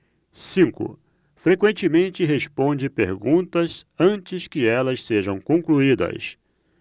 cinco frequentemente responde perguntas antes que elas sejam concluídas